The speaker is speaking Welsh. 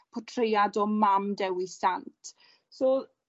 potread o mam Dewi Sant. So